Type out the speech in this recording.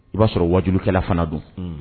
I b'a sɔrɔ wajulikɛla fana don n'